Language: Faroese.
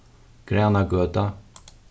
granagøta